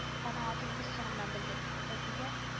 Аның атын без соңыннан белдек) әтигә: